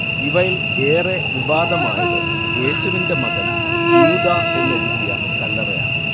ഇവയിൽ ഏറെ വിവാദമായത് യേശുവിന്റെ മകൻ യൂദാ എന്നെഴുതിയ കല്ലറയാണ്